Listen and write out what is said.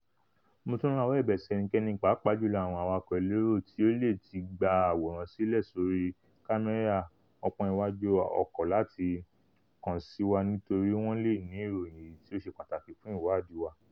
Mo tún ń rawọ́ ẹ̀bẹ̀ sí ẹnikẹ́ni, pàápàá jὺlọ́ àwọn awakọ̀ elérò́, tí ó leè tí gba àwòrán sílẹ̀ sórí kámẹ́rà ọpọ́n iwájú ọkọ̀ láti kàn sí wa nítorí wọn leè ní ìròyìn èyití ó ṣe pàtàkì fún ìwáàdí wa.